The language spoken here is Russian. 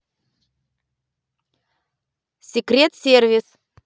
секрет сервис